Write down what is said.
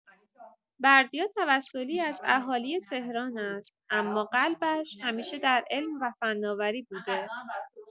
بردیا توسلی از اهالی تهران است اما قلبش همیشه در علم و فناوری بوده.